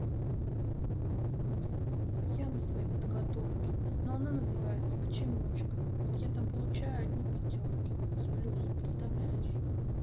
а я на своей подготовке но она называется почемучка вот я там получаю одни пятерки с плюсом представляешь